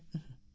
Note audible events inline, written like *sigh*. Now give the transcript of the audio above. *hesitation* *hesitation*